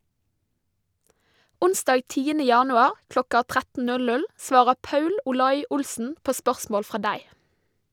Onsdag 10. januar klokka 13.00 svarer Paul Olai Olssen på spørsmål fra deg.